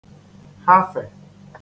hafè